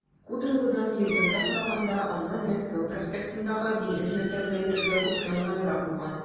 Кудроводан йөргәнгә караганда аннан Мәскәү проспектындагы Диңгез мәктәбенә йөрергә күпкә уңайлырак булган.